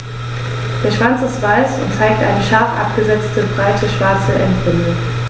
Der Schwanz ist weiß und zeigt eine scharf abgesetzte, breite schwarze Endbinde.